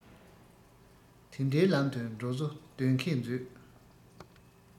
དེ འདྲའི ལམ དུ འགྲོ བཟོ སྡོད མཁས མཛོད